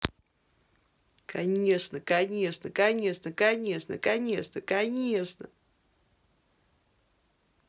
конечно конечно конечно конечно конечно конечно